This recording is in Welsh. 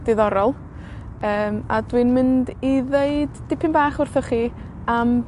diddorol, yym a dwi'n mynd i ddeud dipyn bach wrthoch chi am